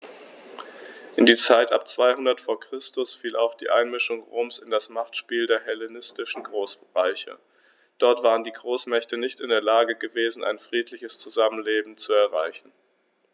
In die Zeit ab 200 v. Chr. fiel auch die Einmischung Roms in das Machtspiel der hellenistischen Großreiche: Dort waren die Großmächte nicht in der Lage gewesen, ein friedliches Zusammenleben zu erreichen.